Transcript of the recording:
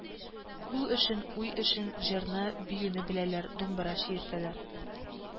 Кул эшен, уй эшен, җырны, биюне беләләр, думбыра чиертәләр